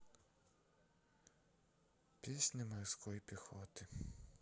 песня морской пехоты